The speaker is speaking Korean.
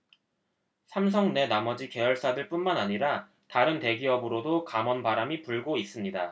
삼성 내 나머지 계열사들뿐만 아니라 다른 대기업으로도 감원바람이 불고 있습니다